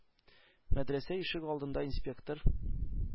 Мәдрәсә ишек алдында инспектор